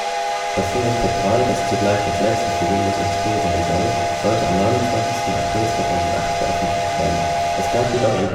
Service Pack 3, das zugleich das letzte für Windows XP sein soll, sollte am 29. April 2008 veröffentlicht werden. Es gab jedoch ein Kompatibilitätsproblem